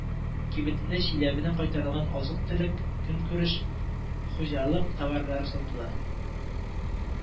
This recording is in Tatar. Кибетендә чиләбедән кайтарылган азыктөлек, көнкүреш, хуҗалык товарлары сатыла